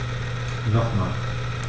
Nochmal.